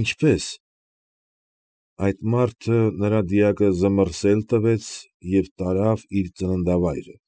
Ինչպե՞ս։ ֊ Այդ մարդը նրա դիակը զմռսել տվեց և տարավ իր ծննդվայրը,